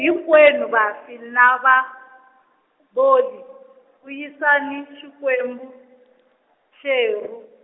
hinkwenu vafi na vaboli, vuyisani xikwembu, xerhu.